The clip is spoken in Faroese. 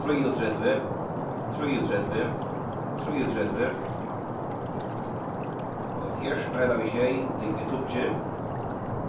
trýogtretivu trýogtretivu trýogtretivu hálvfjerðs deila við sjey ligvið tíggju